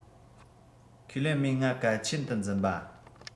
ཁས ལེན མོས ང གལ ཆེན དུ འཛིན པ